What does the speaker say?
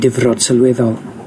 difrod sylweddol.